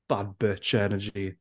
Bad bitch energy.